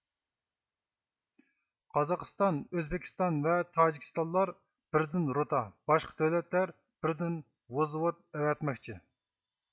قازاقىستان ئۆزبېكىستان ۋە تاجىكىستانلار بىردىن روتا باشقا دۆلەتلەر بىردىن ۋوزۋوت ئەۋەتمەكچى